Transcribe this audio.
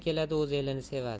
keladi o'z elini sevadi